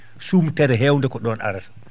sumtere yewde ko ɗon arata